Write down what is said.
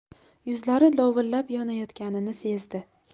yuzlari lovillab yonayotganini sezdi